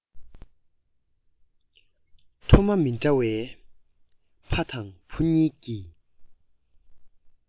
མཐོ དམའ མི འདྲ བའི ཕ དང བུ གཉིས ཀྱིས